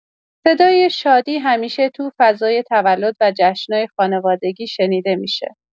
صدای شادی همیشه تو فضای تولد و جشنای خانوادگی شنیده می‌شه.